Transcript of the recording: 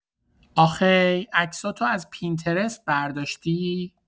آخی عکساتو از پینترست برداشتی؟